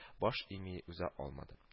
Баш ими уза алмадым